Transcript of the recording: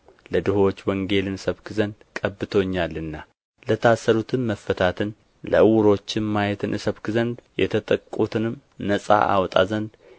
ለድሆች ወንጌልን እሰብክ ዘንድ ቀብቶኛልና ለታሰሩትም መፈታትን ለዕውሮችም ማየትን እሰብክ ዘንድ የተጠቁትንም ነጻ አወጣ ዘንድ